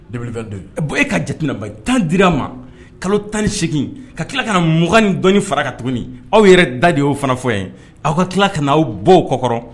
Daele dɔ e ka jate ba tan dira a ma kalo ta ni segingin ka tila ka na mugan ni dɔnni fara ka tuguni aw yɛrɛ da de y'o fana fɔ ye aw ka tila ka aw bɔ o kɔ kɔrɔ